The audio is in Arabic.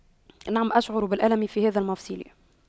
نعم أشعر بالألم في هذا المفصل